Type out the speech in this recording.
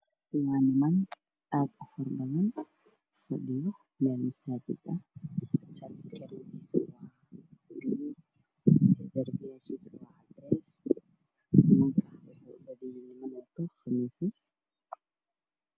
Waa niman aad u faro badan oo fadhiyo meel masaajid ah. Masaajidka kalarkiisu waa gaduud gadaashiisa waa cadeys. Nimanka waxay u badan yihiin niman wato qamiisyo.